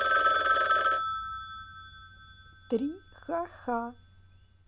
три ха ха